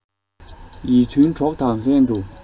ཡིད མཐུན གྲོགས དང ལྷན ཏུ